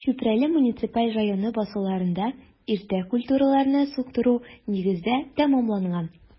Чүпрәле муниципаль районы басуларында иртә культураларны суктыру нигездә тәмамланган.